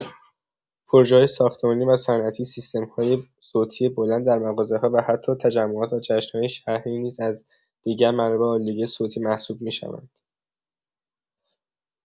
پروژه‌های ساختمانی و صنعتی، سیستم‌های صوتی بلند در مغازه‌ها و حتی تجمعات و جشن‌های شهری نیز از دیگر منابع آلودگی صوتی محسوب می‌شوند.